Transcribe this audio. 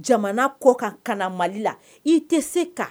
Jamana kɔ ka kana mali la i tɛ se kan